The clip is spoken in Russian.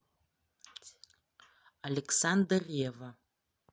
александр ревва